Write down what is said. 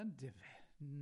Yndyfe?